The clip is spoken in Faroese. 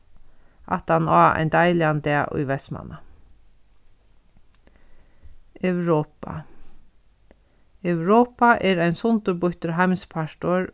aftaná ein deiligan dag í vestmanna europa europa er ein sundurbýttur heimspartur